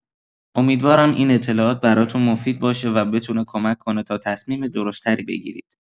امیدوارم این اطلاعات براتون مفید باشه و بتونه کمک کنه تا تصمیم درست‌تری بگیرید.